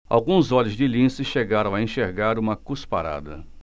alguns olhos de lince chegaram a enxergar uma cusparada